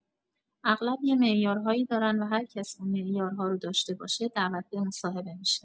اغلب یه معیارهایی دارن و هرکس اون معیارها رو داشته باشه دعوت به مصاحبه می‌شه